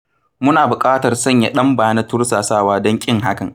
Muna buƙatar sanya ɗan-ba na tursasawa don ƙin hakan.